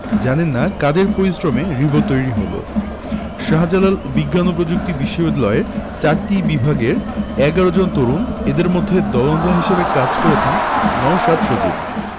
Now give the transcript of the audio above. জানেন না কাদের শ্রমে রিবো তৈরি হলো শাহজালাল বিজ্ঞান ও প্রযুক্তি বিশ্ববিদ্যালয়ের চারটি বিভাগের ১১ জন তরুণ এদের মধ্যে দলনেতা হিসেবে কাজ করেছেন নওশাদ সজীব